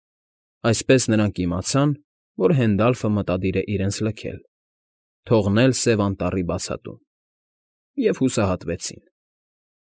Այսպես, նրանք իմացան, որ Հենդալֆը մտադիր է իրենց լքել, թողնել Սև Անտառի բացատում, և հուսահատվեցին։